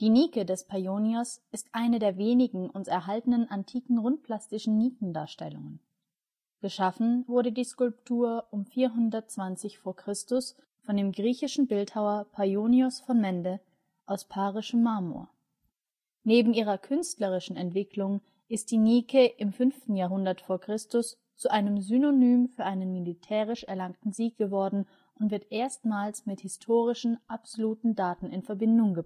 Nike des Paionios ist eine der wenigen uns erhaltenen antiken rundplastischen Nikedarstellungen. Geschaffen wurde die Skulptur um 420 v.Chr. von dem griechischen Bildhauer Paionios von Mende aus parischem Marmor. Neben ihrer künstlerischen Entwicklung ist die Nike im 5. Jh. v. Chr. zu einem Synonym für einen militärisch erlangten Sieg geworden und wird erstmals mit historischen, absoluten Daten in Verbindung